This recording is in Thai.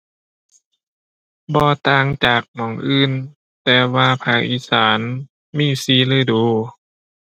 บ่ต่างจากหม้องอื่น แต่ว่าภาคอีสานมีสี่ฤดู